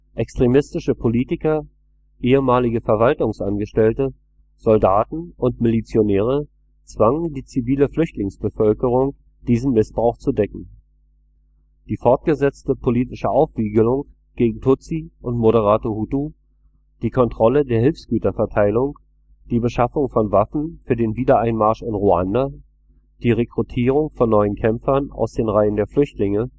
Extremistische Politiker, ehemalige Verwaltungsangestellte, Soldaten und Milizionäre zwangen die zivile Flüchtlingsbevölkerung, diesen Missbrauch zu decken. Die fortgesetzte politische Aufwiegelung gegen Tutsi und moderate Hutu, die Kontrolle der Hilfsgüterverteilung, die Beschaffung von Waffen für den Wiedereinmarsch in Ruanda, die Rekrutierung von neuen Kämpfern aus den Reihen der Flüchtlinge